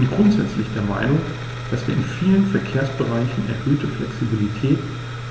Ich bin grundsätzlich der Meinung, dass wir in vielen Verkehrsbereichen erhöhte Flexibilität